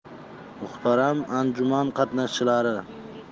muhtaram anjuman qatnashchilari